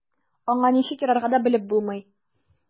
Аңа ничек ярарга да белеп булмый.